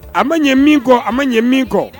A ma ɲɛ min kɔ, a ma ɲɛ min kɔ